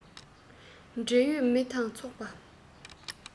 འབྲེལ ཡོད མི དམངས ཚོགས པ